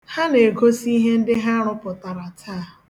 Ha na-egosi ihe ndị ha rụpụtara taa